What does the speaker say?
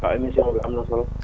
waa émission bi am na solo